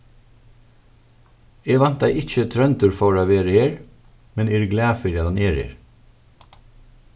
eg væntaði ikki tróndur fór at vera her men eg eri glað fyri at hann er her